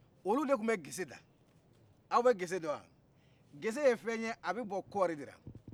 olu de tun bɛ geseda aw bɛ gese dɔ wa gese ye fɛn y' abɛ bɔ kɔri de la